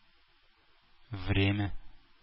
Время